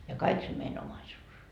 ja kaikki se meidän omaisuus